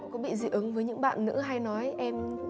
có bị dị ứng với những bạn nữ hay nói em